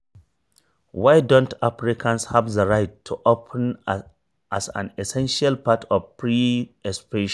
Why don't Africans have the right to offend as an essential part of free expression?